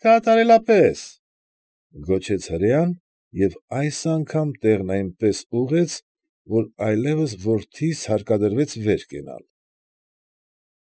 Կատարելապես,֊ գոչեց հրեան և այս անգամ տեղն այնպես ուղղեց, որ այլևս որդիս հարկադրվեց վեր կենալ։